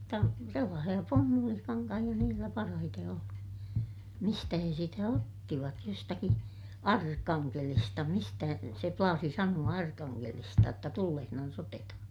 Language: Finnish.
mutta sellaisia pumpulikankaita niillä parhaiten oli mistä he sitä ottivat jostakin Arkangelista mistä se plaasi sanoa Arkangelista jotta tullessaan otetaan